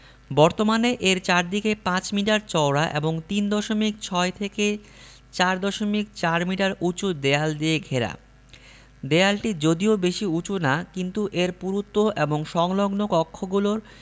বর্তমানে এর চারদিক ৫ মিটার চওড়া এবং ৩ দশমিক ৬ থেকে ৪ দশমিক ৪ মিটার উঁচু দেয়াল দিয়ে ঘেরা দেয়ালটি যদিও বেশি উঁচু না কিন্তু এর পুরুত্ব এবং সংলগ্ন কক্ষগুলোর